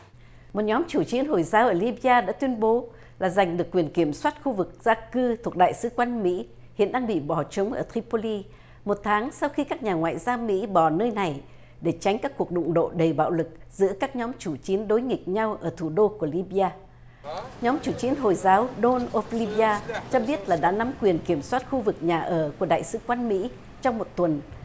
một nhóm chủ chiến hồi giáo ở li bi a đã tuyên bố là giành được quyền kiểm soát khu vực dân cư thuộc đại sứ quán mỹ hiện đang bị bỏ trống ở ti pô li một tháng sau khi các nhà ngoại giao mỹ bỏ nơi này để tránh các cuộc đụng độ đầy bạo lực giữa các nhóm chủ chiến đối nghịch nhau ở thủ đô của li bi a nhóm chủ chiến hồi giáo đôn ô cờ li bi a cho biết là đã nắm quyền kiểm soát khu vực nhà ở của đại sứ quán mỹ trong một tuần